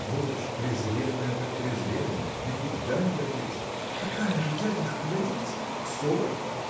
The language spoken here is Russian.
вот уж презренная, так презренная, никуда не годится! – Какая же, дядюшка, годится? в сорок?